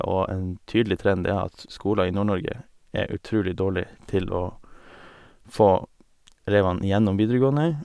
Og en tydelig trend er at s skoler i Nord-Norge er utrulig dårlig til å få elevene igjennom videregående.